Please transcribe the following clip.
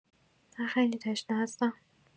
من خیلی تشنه هستم.